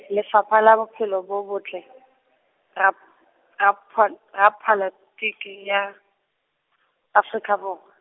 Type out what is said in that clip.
Lefapha la Bophelo bo Botle Rap-, Raphol-, ya, Afrika Borwa.